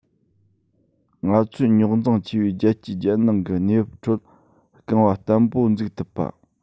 ང ཚོས རྙོག འཛིང ཆེ བའི རྒྱལ སྤྱིའི རྒྱལ ནང གི གནས བབ ཁྲོད རྐང པ བརྟན པོ ཚུགས ཐུབ པ